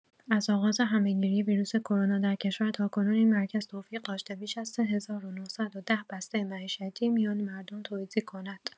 از آغاز همه‌گیری ویروس کرونا در کشور تاکنون این مرکز توفیق داشته بیش از ۳۹۱۰ بسته معیشتی میان مردم توزیع کند.